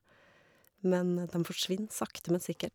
Men dem forsvinner, sakte men sikkert.